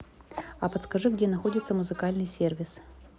а подскажи где находится музыкальный сервис